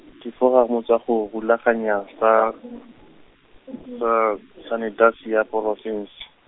diforamo tsa go rulaganya tsa, sanetasi ya porofense.